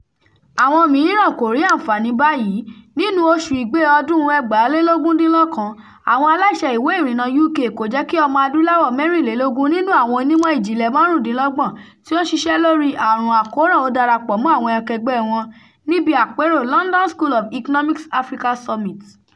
Àwọn mìíràn kò rí àǹfààní báyìí. Nínúu oṣùu Igbe ọdún-un 2019, àwọn aláṣẹ ìwé ìrìnnà UK kò jẹ́ kí ọmọ adúláwọ̀ 24 nínúu àwọn onímọ̀ ìjìnlẹ̀ 25 tí ó ń ṣiṣẹ́ lóríi àrùn àkóràn ó darapọ̀ mọ́ àwọn akẹgbẹ́ẹ wọn níbi àpérò London School of Economics Africa Summit.